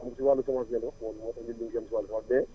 comme si wàllu semence ngeen di wax moo tax ma ***